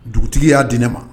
Dugutigi y'a di ne ma